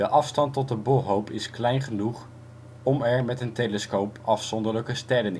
afstand tot de bolhoop is klein genoeg om er met een telescoop afzonderlijke sterren